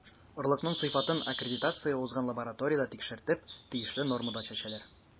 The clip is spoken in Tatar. Орлыкның сыйфатын аккредитация узган лабораториядә тикшертеп, тиешле нормада чәчәләр.